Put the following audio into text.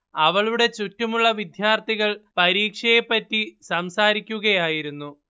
അവളുടെ ചുറ്റുമുള്ള വിദ്യാർത്ഥികൾ പരീക്ഷയെ പറ്റി സംസാരിക്കുകയായിരുന്നു